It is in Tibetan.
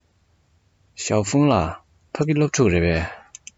ཞའོ ཧྥུང ལགས ཕ གི སློབ ཕྲུག རེད པས